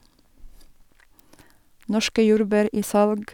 Norske jordbær i salg.